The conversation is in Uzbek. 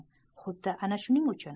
xuddi ana shuning uchun